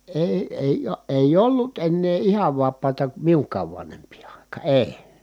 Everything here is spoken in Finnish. - ei ei ei ollut ennen ihan vapaata minunkaan vanhempien aikaan ei